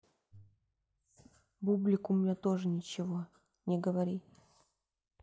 бублик у меня тоже ничего не говори